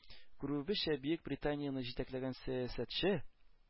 Күрүебезчә, Бөекбританияне җитәкләгән сәясәтче